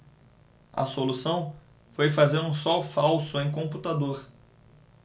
a solução foi fazer um sol falso em computador